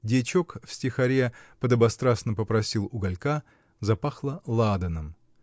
дьячок в стихаре подобострастно попросил уголька запахло ладаном.